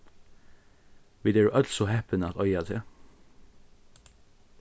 vit eru øll so heppin at eiga teg